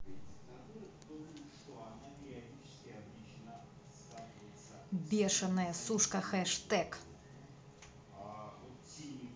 бешеная сушка хэштег